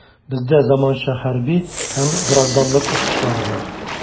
Бездә заманча хәрби һәм гражданлык очкычлары бар.